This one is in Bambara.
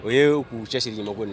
O ye k'u cɛ sigi mako na